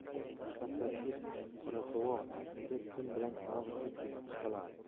vassajuft qorasuvoq uyda tuni bilan aroq ichib chekib chiqilardi